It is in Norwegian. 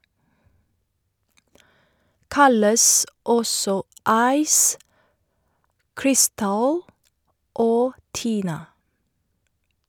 Kalles også ice, krystall og tina.